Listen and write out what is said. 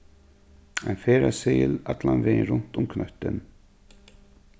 ein ferðaseðil allan vegin runt um knøttin